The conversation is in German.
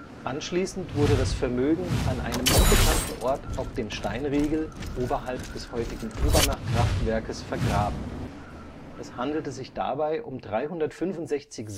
Anschließend wurde das Vermögen an einem unbekannten Ort auf dem Steinriegel (oberhalb des heutigen Obernachkraftwerkes) vergraben. Es handelte sich dabei um 365